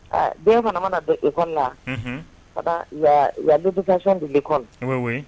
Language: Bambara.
Den fana mana na don i kɔnɔ nadu bitɔn fɛn de kɔnɔ